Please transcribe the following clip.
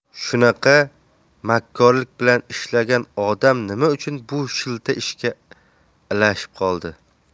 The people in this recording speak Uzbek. shunaqa makkorlik bilan ishlagan odam nima uchun bu shilta ishga ilashib qoldi